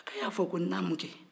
a y'a fɔ ko naamu kɛ